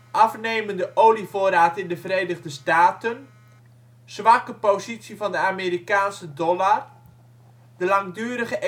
Afnemende olievoorraad in de Verenigde Staten Zwakke positie van de Amerikaanse dollar De langdurige extreme